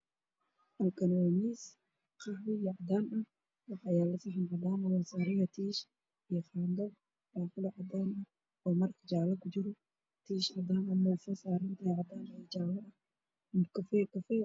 Balse maxaa ku yaalla miis waxa saaran laba saxan sax ah waxaa ku jiro mala wax saxan karaan maraqiis